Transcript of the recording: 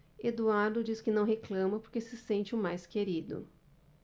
eduardo diz que não reclama porque se sente o mais querido